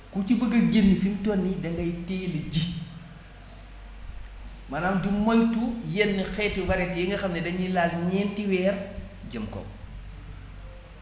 ku ci bëgg a génn fi mu toll nii da ngay teel a ji maanaam di moytu yenn xeetu variété yi nga xam ne dañuy laal ñenti weer jëm kaw